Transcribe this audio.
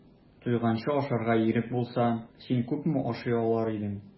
Туйганчы ашарга ирек булса, син күпме ашый алыр идең?